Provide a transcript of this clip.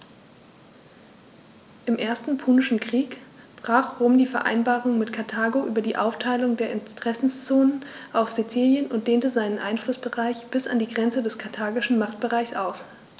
Im Ersten Punischen Krieg brach Rom die Vereinbarung mit Karthago über die Aufteilung der Interessenzonen auf Sizilien und dehnte seinen Einflussbereich bis an die Grenze des karthagischen Machtbereichs aus.